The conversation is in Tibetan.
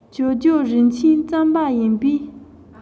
ཇོ ཇོ རིན ཆེན རྩམ པ ཡིན པས